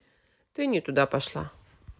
ты не туда пошла